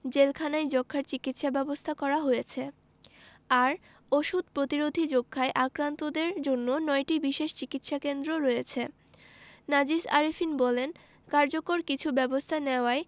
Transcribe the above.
জেলখানায় যক্ষ্মার চিকিৎসা ব্যবস্থা করা হয়েছে আর ওষুধ প্রতিরোধী যক্ষ্মায় আক্রান্তদের জন্য ৯টি বিশেষ চিকিৎসাকেন্দ্র রয়েছে নাজিস আরেফিন বলেন কার্যকর কিছু ব্যবস্থা নেয়ায়